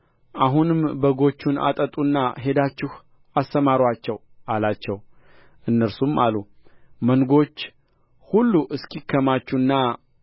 አሁንም በጎቹን አጠጡና ሄዳችሁ አሰማሩአቸው አላቸው እነርሱም አሉ መንጎች ሁሉ እስኪከማቹና